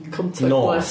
Contactless... Notes...